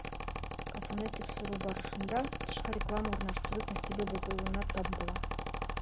Кафены тикшерү барышында, тышкы реклама урнаштыру тәртибе бозылуына тап була.